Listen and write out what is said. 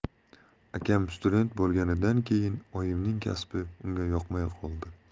akam student bo'lganidan keyin oyimning kasbi unga yoqmay qoldi